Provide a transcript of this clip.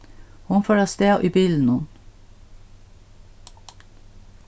hon fór avstað í bilinum